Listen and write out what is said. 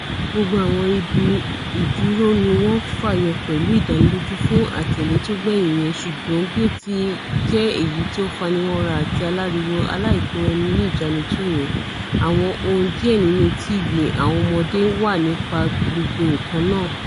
Gbogbo àwọn ibi ìdúró níwọ́n fàyọ pẹ̀lú ìdanílójú fún àtẹ̀lé tógbẹ̀yín yẹn, ṣùgbọ́n bí ó ti jẹ́ èyití ó fanimọ́ra àti aláriwo aláìkóraẹni-níìjánu tó yẹn, àwọn ohun díẹ̀ nínú TV àwọn ọmọdé wà nípa gbogbo nǹkan náà.